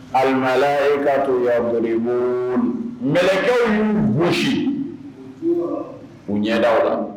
mɛlɛkɛw y'u gosi u ɲɛdaw kan